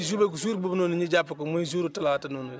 jour boobu jour boobu noonu ñu jàpp ko muy jour talaata noonu